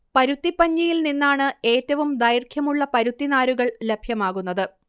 പരുത്തിപ്പഞ്ഞിയിൽ നിന്നാണ് ഏറ്റവും ദൈർഘ്യമുളള പരുത്തി നാരുകൾ ലഭ്യമാകുന്നത്